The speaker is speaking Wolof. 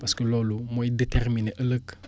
parce que loolu mooy déterminer ëllëg